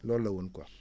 loolu la woon quoi